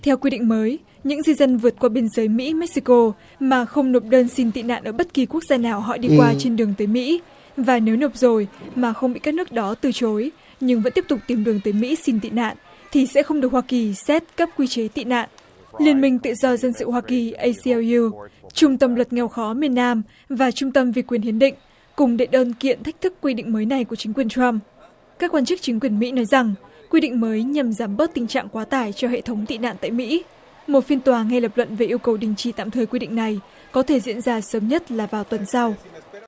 theo quy định mới những di dân vượt qua biên giới mỹ mếch xi cô mà không nộp đơn xin tị nạn ở bất kỳ quốc gia nào họ đi qua trên đường tới mỹ và nếu nộp rồi mà không bị các nước đó từ chối nhưng vẫn tiếp tục tìm đường tới mỹ xin tị nạn thì sẽ không được hoa kỳ xét cấp quy chế tị nạn liên minh tự do dân sự hoa kỳ ây si eo iu trung tâm luật nghèo khó miền nam và trung tâm vì quyền hiến định cùng đệ đơn kiện thách thức quy định mới này của chính quyền trăm các quan chức chính quyền mỹ nói rằng quy định mới nhằm giảm bớt tình trạng quá tải cho hệ thống tị nạn tại mỹ một phiên tòa ngay lập luận về yêu cầu đình chỉ tạm thời quy định này có thể diễn ra sớm nhất là vào tuần sau